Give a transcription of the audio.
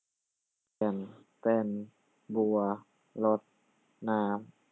เปลี่ยนเป็นบัวรดน้ำ